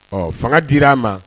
Ɔ fanga dir'a ma